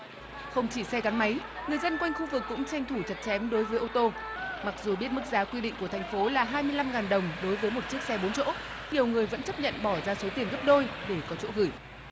không chỉ xe gắn máy người dân quanh khu vực cũng tranh thủ chặt chém đối với ô tô mặc dù biết mức giá quy định của thành phố là hai mươi lăm ngàn đồng đối với một chiếc xe bốn chỗ nhiều người vẫn chấp nhận bỏ ra số tiền gấp đôi để có chỗ gửi